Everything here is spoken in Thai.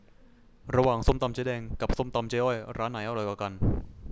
ระหว่างส้มตำเจ๊แดงกับส้มตำเจ๊อ้อยร้านไหนอร่อยกว่ากัน